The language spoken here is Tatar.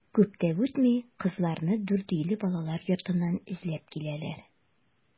Күп тә үтми кызларны Дүртөйле балалар йортыннан эзләп киләләр.